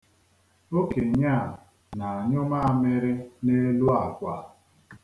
Okenye a na-anyụ maamịrị n'elu àkwà.